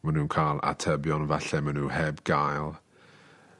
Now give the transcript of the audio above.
ma' nw'n ca'l atebion falle ma' n'w heb gael